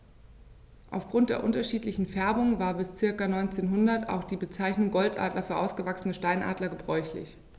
Auf Grund der unterschiedlichen Färbung war bis ca. 1900 auch die Bezeichnung Goldadler für ausgewachsene Steinadler gebräuchlich.